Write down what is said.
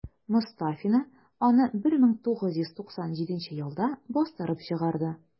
Мостафина аны 1997 елда бастырып чыгарды.